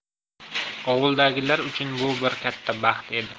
ovuldagilar uchun bu bir katta baxt edi